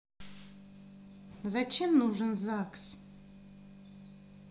зачем нужен загс